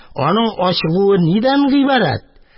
Аның ачылуы нидән гыйбарәт?